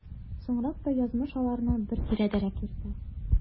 Соңрак та язмыш аларны бер тирәдәрәк йөртә.